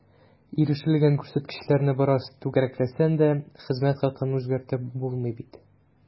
Ирешелгән күрсәткечләрне бераз “түгәрәкләсәң” дә, хезмәт хакын үзгәртеп булмый бит.